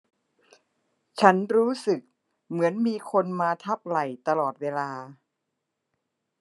ฉันรู้สึกเหมือนมีคนมาทับไหล่ตลอดเวลา